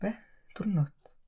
Be? Diwrnod?